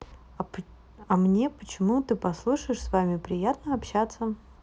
а мне почему ты послушаешь с вами приятно общаться